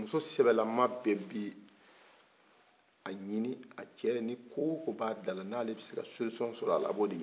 muso sɛbɛlaman bɛɛ bɛ a ɲini a cɛ nin ko o ko b'a da la n'ale bɛ se ka solisɔn a b'o de ɲini